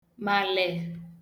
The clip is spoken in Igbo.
màlè